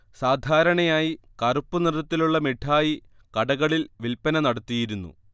സാധാരണയായി കറുപ്പു നിറത്തിലുള്ള മിഠായി കടകളിൽ വിൽപ്പന നടത്തിയിരുന്നു